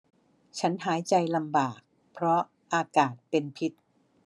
ฉันหายใจลำบากเพราะอากาศเป็นพิษ